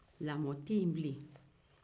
lamɔ tɛ yen bilen